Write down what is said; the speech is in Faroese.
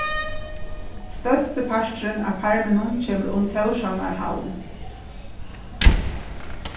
størsti parturin av farminum kemur um tórshavnar havn